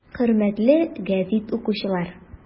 Хөрмәтле гәзит укучылар!